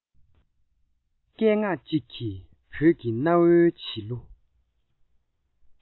སྐད ངག ཅིག གིས བོད ཀྱི གནའ བོའི བྱིས གླུ